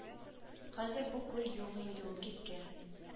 Хәзер бу күл юк инде ул кипкән